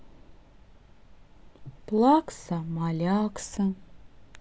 плакса малякса